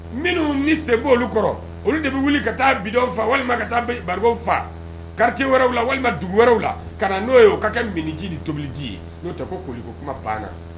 Minnu ni se bɔ olu kɔrɔ olu de bɛ wuli ka taa bidɔ faa walima ka taaw faa kari wɛrɛw la walima dugu wɛrɛw la ka na n'o ye o ka kɛ miniji ni tobili ji ye n'o tɛ ko koli ko kuma banna